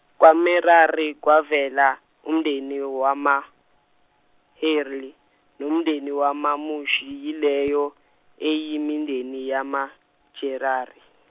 kwaMerari kwavela, umndeni wamaHeri, nomndeni wamaMushi yileyo eyimindeni yamaJerari.